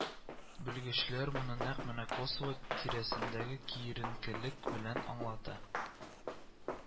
Белгечләр моны нәкъ менә Косово тирәсендәге киеренкелек белән аңлата